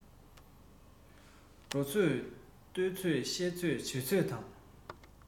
གས ས ཅི ཐད རང ཚོད རང གིས བཟུང